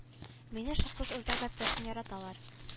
Мине шыксыз үрдәк бәбкәсен яраталар